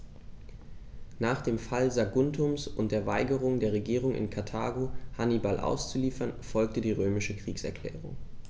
Nach dem Fall Saguntums und der Weigerung der Regierung in Karthago, Hannibal auszuliefern, folgte die römische Kriegserklärung.